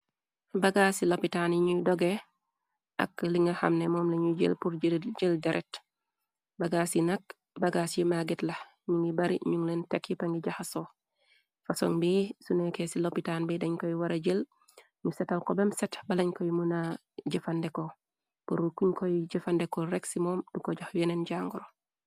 Bagaas ci lopitaan yi ñuy doge ak li nga xamne moom lañuy jël pur jë jël deret bagaas yi nak bagaas yi magget lax ñu ngi bari ñun leen tekk yi pa ngi jaxa soo fason bi su neeke ci loppitaan bi dañ koy wara jël ñu setal ko bem set ba lañ koy muna jëfandeko pur kuñ koy jëfandeko rek ci moom duko jox yeneen jàngoro.